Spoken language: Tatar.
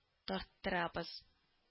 Тарттырабыз